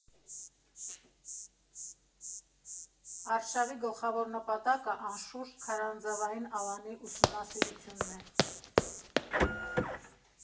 Արշավի գլխավոր նպատակը, անշուշտ, քարանձավային ավանի ուսումնասիրությունն է։